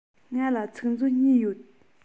ང ལ ཚིག མཛོད གཉིས ཡོད